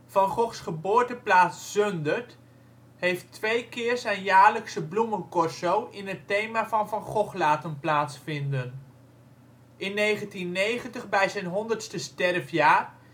Van Gogh 's geboorteplaats Zundert heeft twee keer zijn jaarlijkse bloemencorso in het thema van Van Gogh laten plaatsvinden: in 1990 bij zijn honderdste sterfjaar